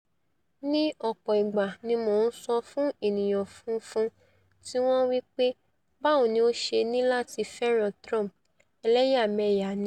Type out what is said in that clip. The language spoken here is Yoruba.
Ní ọ̀pọ̀ ìgbà ní Mo ńsọ fún ènìyàn funfun tíwọn wí pé: ''Báwo ni ó ṣe níláti fẹ́ràn Trump, ẹlẹ́yàmẹ̀yà ni?''